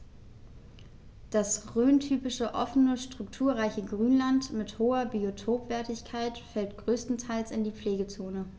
Das rhöntypische offene, strukturreiche Grünland mit hoher Biotopwertigkeit fällt größtenteils in die Pflegezone.